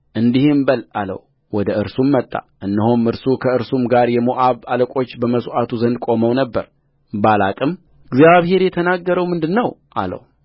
እንዲህም በል አለውወደ እርሱም መጣ እነሆም እርሱ ከእርሱም ጋር የሞዓብ አለቆች በመሥዋዕቱ ዘንድ ቆመው ነበር ባላቅም እግዚአብሔር የተናገረው ምንድር ነው አለው